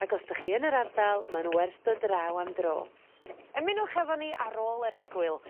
ag os 'dach chi yn yr ardal ma' n'w werth dod draw am dro. Ymunwch efo ni ar ôl yr egwyl